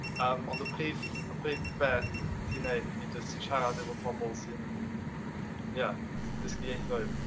Yym, ond y prif y prif beth ti'n wneud ydy jyst siarad efo pobl sy'n... ia, sy'n dysgu ieithoedd.